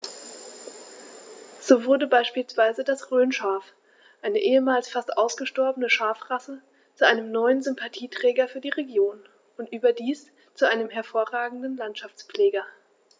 So wurde beispielsweise das Rhönschaf, eine ehemals fast ausgestorbene Schafrasse, zu einem neuen Sympathieträger für die Region – und überdies zu einem hervorragenden Landschaftspfleger.